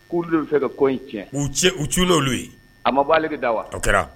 K'olu de bɛ fɛ ka kɔ in cɛ u ci'u ye a ma b bɔalege da wa o kɛra